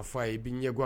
A fa a ye bi ɲɛ gan